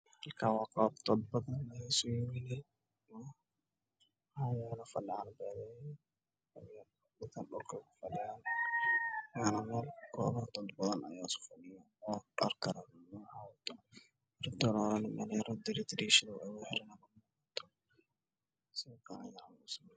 Halkan waa masaajid waxaa iskugu imaaday niman iyo ilmo khamiis iyo cimaamada koofiya ayey wataan